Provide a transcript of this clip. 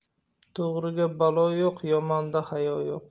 to'g'riga balo yo'q yomonda hayo yo'q